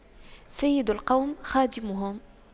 سيد القوم خادمهم